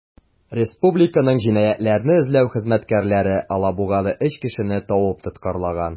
Республиканың җинаятьләрне эзләү хезмәткәрләре алабугалы 3 кешене табып тоткарлаган.